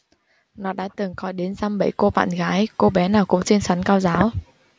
nó đã từng có đến dăm bảy cô bạn gái cô bé nào cũng xinh xắn cao ráo